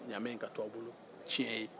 ɲamɛw ka to a bolo tiɲɛ ye